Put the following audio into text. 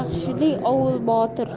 baxshili ovul botir